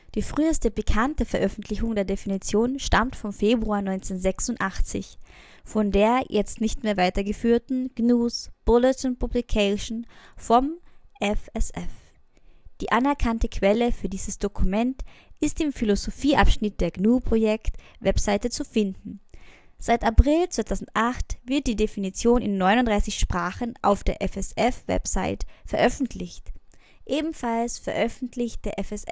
Die früheste bekannte Veröffentlichung der Definition stammt vom Februar 1986, von der (jetzt nicht mehr weitergeführten) " GNU 's Bulletin Publication " vom FSF. Die anerkannte Quelle für dieses Dokument ist im Philosophieabschnitt der GNU-Projekt-Webseite zu finden. Seit April 2008, wird die Definition in 39 Sprachen auf der FSF Webseite veröffentlicht. Ebenfalls veröffentlicht der FSF